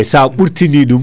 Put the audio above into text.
sa ɓurtini ɗum